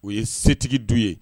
O ye setigi du ye